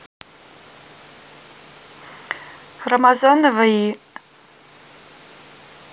рамазанова и